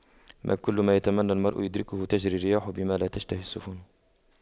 ما كل ما يتمنى المرء يدركه تجرى الرياح بما لا تشتهي السفن